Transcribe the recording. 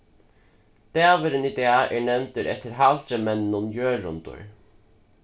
dagurin í dag er nevndur eftir halgimenninum jørundur